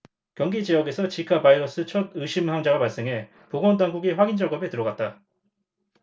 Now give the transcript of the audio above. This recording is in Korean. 경기지역에서 지카바이러스 첫 의심환자가 발생해 보건당국이 확인 작업에 들어갔다